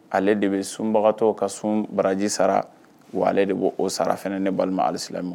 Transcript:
Ale de bɛ sunbagatɔw ka sun baraji sara wa ale de b'o sara fana ne balima alisilamɛ.